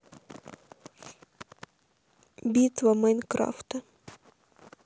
битва майнкрафт